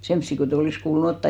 semmoisia kun ei olisi kuulunut ottaa